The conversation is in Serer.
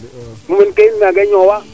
mumeen ke in naange ñoowa